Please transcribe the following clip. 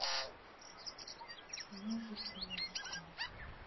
музыка на сто